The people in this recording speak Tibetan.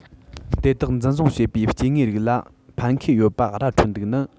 དེ དག འཛིན བཟུང བྱེད པའི སྐྱེ དངོས རིགས ལ ཕན ཁེ ཡོད པ ར འཕྲོད འདུག ན